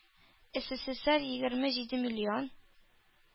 Эсэсэсэр егерме җиде миллион,